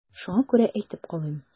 Шуңа күрә әйтеп калыйм.